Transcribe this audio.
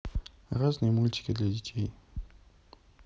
разные мультики для детей